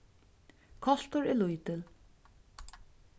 koltur er lítil